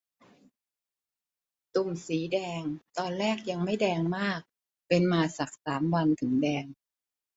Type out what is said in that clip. ตุ่มสีแดงตอนแรกยังไม่แดงมากเป็นมาสักสามวันถึงแดง